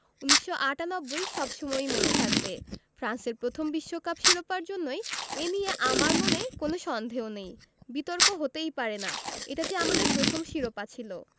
১৯৯৮ সব সময়ই মনে থাকবে ফ্রান্সের প্রথম বিশ্বকাপ শিরোপার জন্যই এ নিয়ে আমার মনে কোনো সন্দেহ নেই বিতর্ক হতেই পারে না এটা যে আমাদের প্রথম শিরোপা ছিল